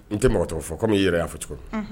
N tɛ mɔgɔ tɔgɔ fɔ ko komi' i yɛrɛ y'a fɔ cogo